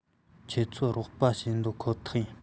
ཁྱེད ཚོ རོགས པ བྱེད འདོད ཁོ ཐག ཡིན